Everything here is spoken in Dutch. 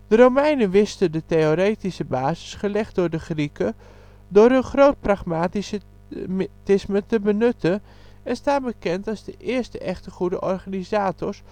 Romeinen wisten de theoretische basis, gelegd door de Grieken, door hun groot pragmatisme te benutten en staan bekend als de eerste echte goede organisators